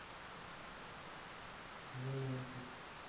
не мультик